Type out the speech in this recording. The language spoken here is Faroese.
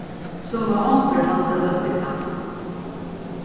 so má onkur halda høvdið kalt